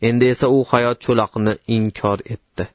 endi esa u hayot cho'loqni inkor etdi